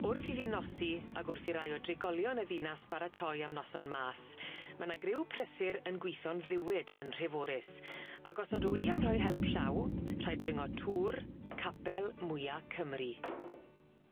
Wrth iddi nosi, ag wrth i rai o drigolion y ddinas baratoi am noson mas ma' 'na griw prysur yn gwitho'n dduwyd yn Nhreforys ag os ydw i am roi help llaw, rhaid dringo tŵr capel mwya Cymru.